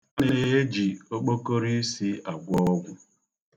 E na-eji okpokoroisi agwọ ọgwụ.